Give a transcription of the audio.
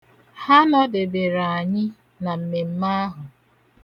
Ha nọdebere anyị na mmemme ahụ.